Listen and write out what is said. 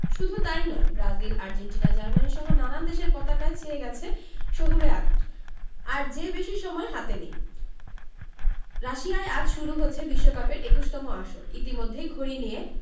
শুধু তা ই নয় ব্রাজিল আর্জেন্টিনা জার্মানিসহ নানান দেশের পতাকায় ছেয়ে গেছে শহুরে আকাশ আর যে বেশি সময় হাতে নেই রাশিয়ায় আজ শুরু হচ্ছে বিশ্বকাপের ২১তম আসর ইতিমধ্যেই ঘড়ি নিয়ে